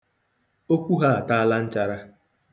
Okwu ha ataala nchara.